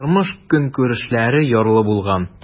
Тормыш-көнкүрешләре ярлы булган.